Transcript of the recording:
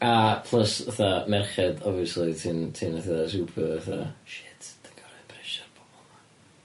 A plys fatha merched obviously ti'n ti'n fatha super fatha shit dwi'n gor'o' impressio'r bobol 'ma.